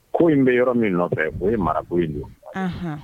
Ko in bɛ yɔrɔ min nɔfɛ o ye mara in don